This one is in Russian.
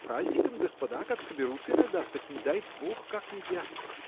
по праздникам господа, как соберутся иногда, так, не дай бог как едят!